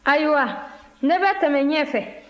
ayiwa ne bɛ tɛmɛ ɲɛfɛ